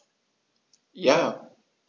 Ja.